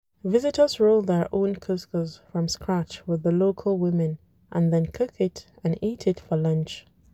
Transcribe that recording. Visitors roll their own couscous from scratch with the local women, and then cook it and eat it for lunch.